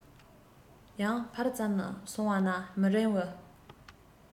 ཡང ཕར ཙམ སོང བ ན མི རིང བའི